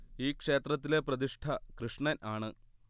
ഈ ക്ഷേത്രത്തിലെ പ്രതിഷ്ഠ കൃഷ്ണൻ ആണ്